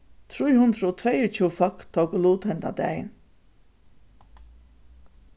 trý hundrað og tveyogtjúgu fólk tóku lut henda dagin